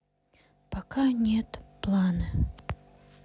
пока нет планы